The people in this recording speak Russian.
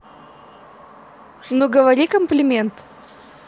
ну говори комплимент